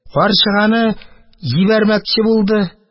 Карчыганы җибәрмәкче булды.